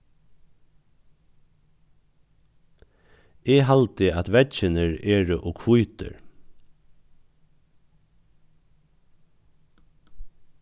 eg haldi at veggirnir eru ov hvítir